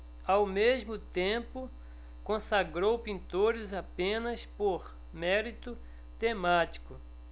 ao mesmo tempo consagrou pintores apenas por mérito temático